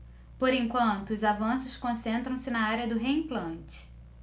por enquanto os avanços concentram-se na área do reimplante